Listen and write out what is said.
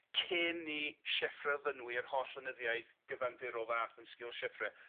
Cyn i Sieffre o Fynwy yr holl lenyddiaeth gyfandirol ddath yn sgil Sieffre